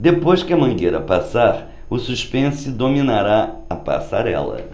depois que a mangueira passar o suspense dominará a passarela